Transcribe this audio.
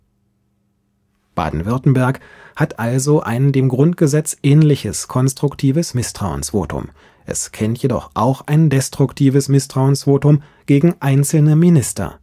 Baden-Württemberg hat also ein dem Grundgesetz ähnliches konstruktives Misstrauensvotum, es kennt jedoch auch ein destruktives Misstrauensvotum gegen einzelne Minister